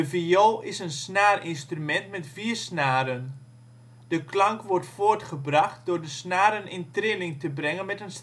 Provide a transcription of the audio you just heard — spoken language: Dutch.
viool is een snaarinstrument met vier snaren. De klank wordt voortgebracht door de snaren in trilling te brengen met